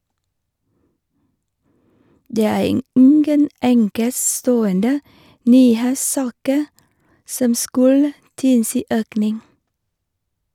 - Det er ingen enkeltstående nyhetssaker som skulle tilsi økning.